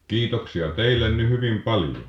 kiitoksia teille nyt hyvin paljon